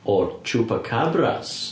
Or Chupacabras.